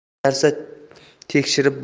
hech narsa tekshirib